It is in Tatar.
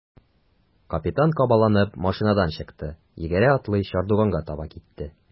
Капитан кабаланып машинадан чыкты, йөгерә-атлый чардуганга таба китте.